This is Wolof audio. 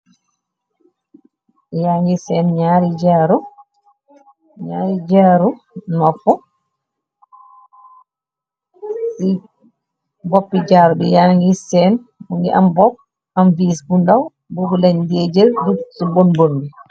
yaa ngi seen ñaari jaaru nop ci boppi jaaru bi yaa ngi seen bu ngi am bopp am viis bu ndaw bubu lañ déejël buj ci bon bor bi.